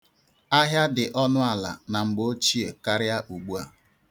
Ahịa dị ọnụala na mgbeochie karịa ugbua.